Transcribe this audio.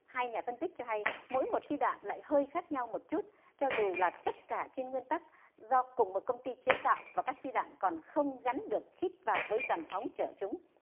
hai nhà phân tích cho hay mỗi một viên đạn lại hơi khác nhau một chút cho dù là tất cả trên nguyên tắc do cùng một công ty chế tạo và các phi đạn còn không gánh được khít vào với dàn phóng trở chúng